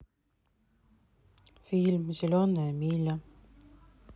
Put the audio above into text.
фильм зеленая миля